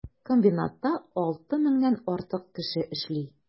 Комбинатта 6 меңнән артык кеше эшли.